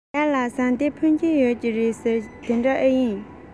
ཟེར ཡས ལ ཟངས གཏེར འཕོན ཆེན ཡོད རེད ཟེར གྱིས དེ འདྲ ཨེ ཡིན